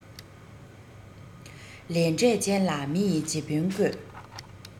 ལས འབྲས ཅན ལ མི ཡིས རྗེ དཔོན བསྐོས